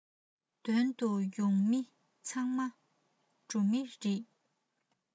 དོན དུ ཡོང མི ཚང མ འགྲོ མི རེད